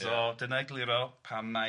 so dyna egluro pam mai